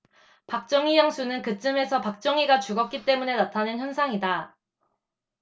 박정희 향수는 그쯤에서 박정희가 죽었기 때문에 나타난 현상이다